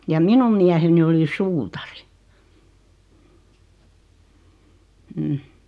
ja minun mieheni oli suutari mm